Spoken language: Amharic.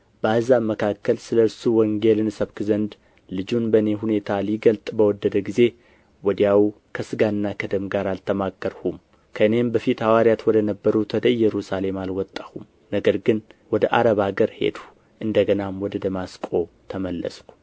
በአሕዛብ መካከል ስለ እርሱ ወንጌልን እሰብክ ዘንድ ልጁን በእኔ ሁኔታ ሊገልጥ በወደደ ጊዜ ወዲያው ከሥጋና ከደም ጋር አልተማከርሁም ከእኔም በፊት ሐዋርያት ወደ ነበሩት ወደ ኢየሩሳሌም አልወጣሁም ነገር ግን ወደ ዓረብ አገር ሄድሁ እንደ ገናም ወደ ደማስቆ ተመለስሁ